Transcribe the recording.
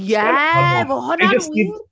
Ie, ma' hwnna'n wir!